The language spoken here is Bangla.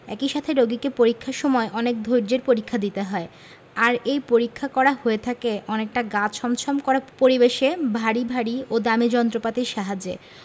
একই সাথে রোগীকে পরীক্ষার সময় অনেক ধৈর্য্যের পরীক্ষা দিতে হয় আর এই পরীক্ষা করা হয়ে থাকে অনেকটা গা ছমছম করা পরিবেশে ভারী ভারী ও দামি যন্ত্রপাতির সাহায্যে